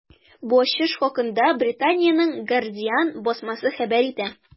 Бу ачыш хакында Британиянең “Гардиан” басмасы хәбәр итә.